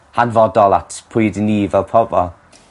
hanfodol at pwy 'di ni fel pobol.